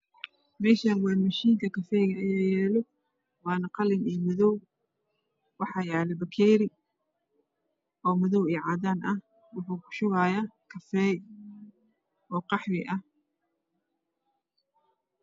Meeshaan mishiinka kafayga ayaa yaalo waana qalin iyo madow. Waxaa yaala bakeeri oo madow iyo cadaan ah waxuu kushubaaya kafay oo qaxwi ah.